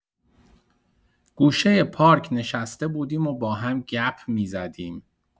گوشه پارک نشسته بودیم و با هم گپ می‌زدیم.